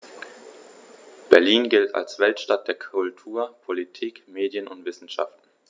Berlin gilt als Weltstadt der Kultur, Politik, Medien und Wissenschaften.